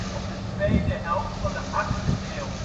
op de tweede helft van de achtste eeuw